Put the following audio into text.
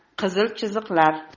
qizil chiziqlar